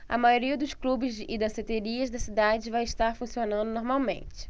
a maioria dos clubes e danceterias da cidade vai estar funcionando normalmente